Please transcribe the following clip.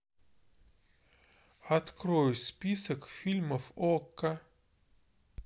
открой список фильмов окко